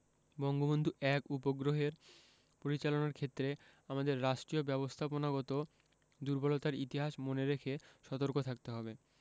বঙ্গবন্ধু ১ উপগ্রহের পরিচালনার ক্ষেত্রে আমাদের রাষ্ট্রীয় ব্যবস্থাপনাগত দূর্বলতার ইতিহাস মনে রেখে সতর্ক থাকতে হবে